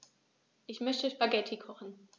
Ich möchte Spaghetti kochen.